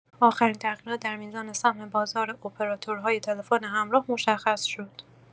آخرین تغییرات در میزان سهم بازار اپراتورهای تلفن همراه مشخص شد.